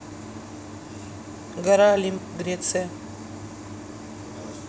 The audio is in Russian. гора олимп греция